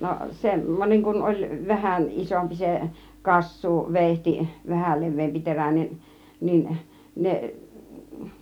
no sen niin kun oli vähän isompi se - kassuuveitsi vähän leveämpi teräinen niin ne